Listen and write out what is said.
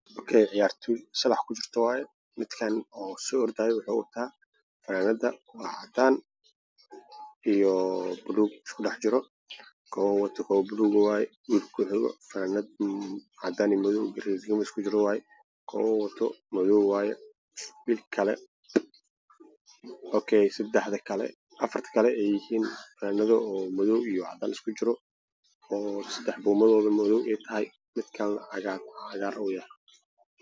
Waa garoon waxaa jooga niman waxy ciyaarayaan banooni Garoonka waa caggaar